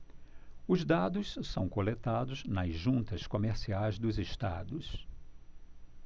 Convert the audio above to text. os dados são coletados nas juntas comerciais dos estados